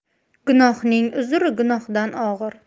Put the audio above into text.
gunohning uzri gunohdan og'ir